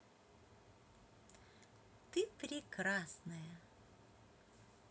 ты прекрасная